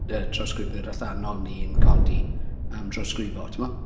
Yy trawsgrifwyr allanol, ni'n codi am drawsgrifo timod.